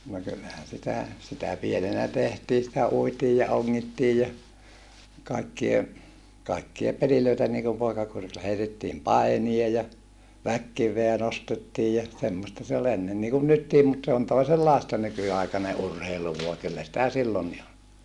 no kyllähän sitä sitä pienenä tehtiin sitä uitiin ja ongittiin ja kaikkia kaikkia pelejä niin kuin poikakurilla heitettiin painia ja väkikiveä nostettiin ja semmoista se oli ennen niin kuin nytkin mutta se on toisenlaista nykyaikainen urheilu vaan kyllä sitä silloinkin oli